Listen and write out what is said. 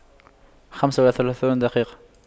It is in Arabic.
خمس وثلاثون دقيقة